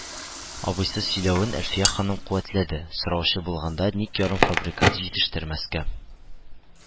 Абыйсы сөйләвен Әлфия ханым куәтләде: «Сораучы булганда ник ярымфабрикат җитештермәскә